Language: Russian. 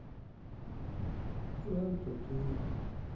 гранд отель